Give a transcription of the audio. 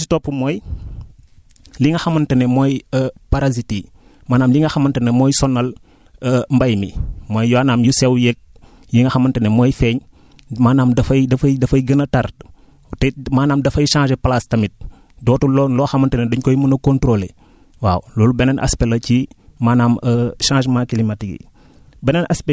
beneen bi si topp mooy li nga xamante ne mooy parasites yi maanaam li nga xamante ne mooy sonal mbay mi mooy maanaam yu sew yeeg yi nga xamante ne mooy feeñ maanaam dafay dafay dafay gën a tar peut être maanaam dafay changer place tamit dootul loo loo xamante ne dañ koy mun a contrôler waaw beneen aspect la ci maanaam changement climatique yi